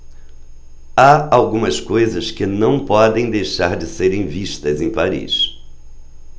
há algumas coisas que não podem deixar de serem vistas em paris